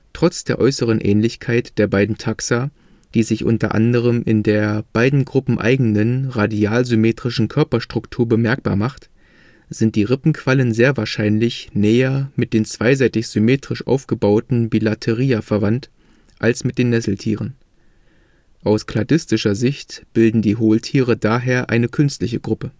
Trotz der äußeren Ähnlichkeit der beiden Taxa, die sich unter anderem in der beiden Gruppen eigenen radialsymmetrischen Körperstruktur bemerkbar macht, sind die Rippenquallen sehr wahrscheinlich näher mit den zweiseitig-symmetrisch aufgebauten Bilateria verwandt als mit den Nesseltieren. Aus kladistischer Sicht bilden die Hohltiere daher eine künstliche Gruppe